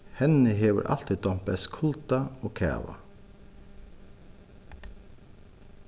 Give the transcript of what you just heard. henni hevur altíð dámt best kulda og kava